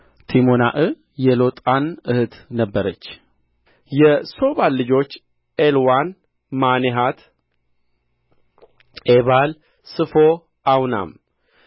ቲሞናዕ የሎጣን እኅት ነበረች የሦባል ልጆች ዓልዋን ማኔሐት ዔባል ስፎ አውናም